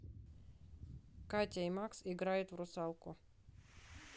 катя и макс играют в русалку